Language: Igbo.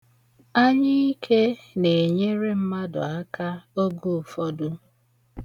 Anyiike na-enyere mmadụ aka oge ụfọdụ.